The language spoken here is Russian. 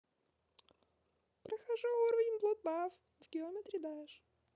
прохожу уровень bloodbath в geometry dash